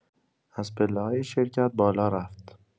از پله‌های شرکت بالا رفت.